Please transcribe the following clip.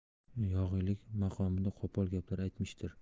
yog'iylik maqomida qo'pol gaplar aytmishdir